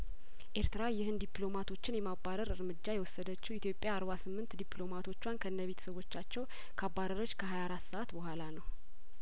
ኤርትራ ይህን ዲፕሎማቶችን የማባረር እርምጃ የወሰደችው ኢትዮጵያአርባ ስምንት ዲፕሎማቶቿን ከነ ቤተሰቦቻቸው ካ በረረች ከሀያአራት ሰአት በኋላ ነው